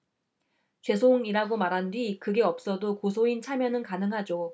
죄송 이라고 말한 뒤 그게 없어도 고소인 참여는 가능하죠